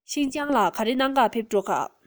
ཤིན ཅང ལ ག རེ གནང ག ཕེབས འགྲོ ག